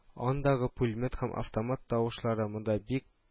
Андагы пулемет һәм автомат тавышлары монда бик